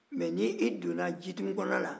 mɛ n'i donna jitumu kɔnɔna na